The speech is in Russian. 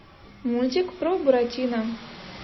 мультик про буратино